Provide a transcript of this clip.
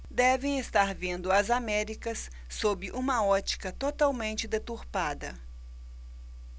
devem estar vendo as américas sob uma ótica totalmente deturpada